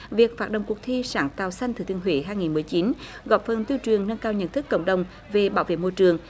việc phát động cuộc thi sáng tạo xanh thừa thiên huế hai nghìn mười chín góp phần tuyên truyền nâng cao nhận thức cộng đồng về bảo vệ môi trường